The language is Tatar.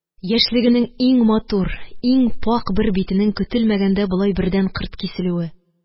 Яшьлегенең иң матур, иң пакь бер битенең көтелмәгәндә болай бердән кырт киселүе,